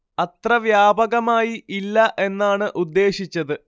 അത്ര വ്യാപകമായി ഇല്ല എന്നാണ് ഉദ്ദേശിച്ചത്